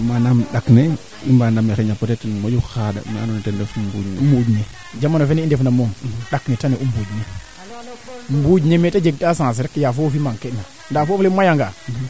to xam xam ke ndefee leŋ parce que o ndeet lu wanga fagun faak kaa roog fee demb wiin we leye xee kene waage ref ndiing de kene kaa teel nangam nangam wee eet ina nduuf fop kaa ndat teen ren fene xar wiin we leyu yee